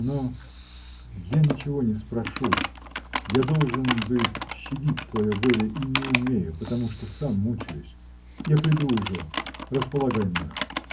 Но — я ничего не спрошу, я должен бы щадить твое горе — и не умею, потому что сам мучаюсь. Я приду ужо, располагай мною.